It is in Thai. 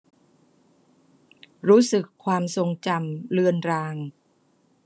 รู้สึกความทรงจำเลือนราง